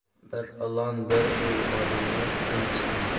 bir ilon bir uy odamni tinchitmas